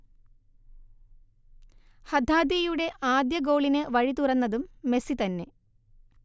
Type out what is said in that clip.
ഹദ്ദാദിയുടെ ആദ്യ ഗോളിന് വഴി തുറന്നതും മെസ്സി തന്നെ